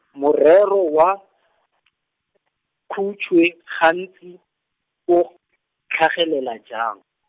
morero wa , khutshwe gantsi, o, tlhagelela jang?